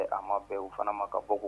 A ma bɛɛ u fana ma ka bɔ